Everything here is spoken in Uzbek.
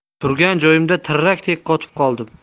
turgan joyimda tirrakdek qotib qoldim